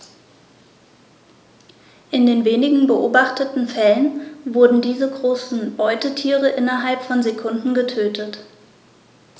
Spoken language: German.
In den wenigen beobachteten Fällen wurden diese großen Beutetiere innerhalb von Sekunden getötet.